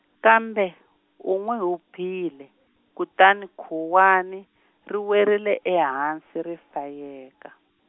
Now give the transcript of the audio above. kambe, u n'wi hupile , kutani khuwani, ri werile ehansi ri fayeka.